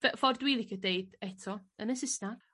fe- ffordd dwi licio deud eto yn y Sysnag